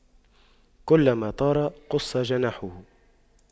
كلما طار قص جناحه